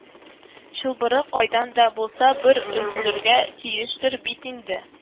Чылбыры кайдан да булса бер өзелергә тиештер бит инде